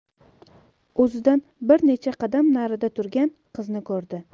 o'zidan bir necha qadam narida turgan qizni ko'rdi